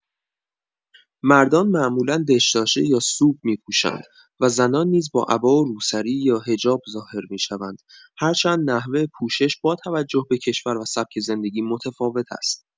مردان معمولا دشداشه یا ثوب می‌پوشند و زنان نیز با عبا و روسری یا حجاب ظاهر می‌شوند، هرچند نحوه پوشش با توجه به کشور و سبک زندگی متفاوت است.